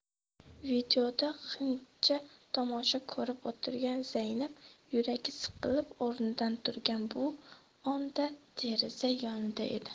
videoda hindcha tamosha ko'rib o'tirgan zaynab yuragi siqilib o'rnidan turgan bu onda deraza yonida edi